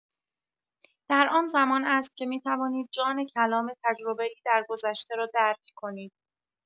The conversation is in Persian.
در آن‌زمان است که می‌توانید جان کلام تجربه‌ای درگذشته را درک کنید.